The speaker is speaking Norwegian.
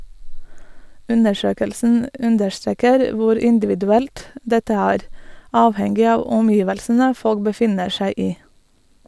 - Undersøkelsen understreker hvor individuelt dette er, avhengig av omgivelsene folk befinner seg i.